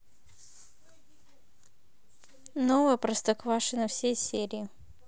новое простоквашино все серии